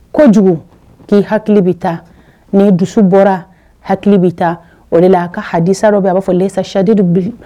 Kojugu k'i hakili bɛ taa ni dusu bɔra hakili bɛ taa o de la a ka hasa dɔ b' fɔ sacdidu bi